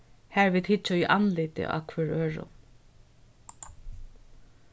har vit hyggja í andlitið á hvør øðrum